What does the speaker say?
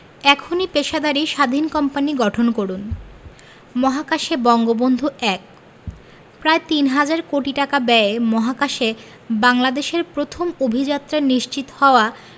এখনই পেশাদারি স্বাধীন কোম্পানি গঠন করুন মহাকাশে বঙ্গবন্ধু ১ প্রায় তিন হাজার কোটি টাকা ব্যয়ে মহাকাশে বাংলাদেশের প্রথম অভিযাত্রা নিশ্চিত হওয়া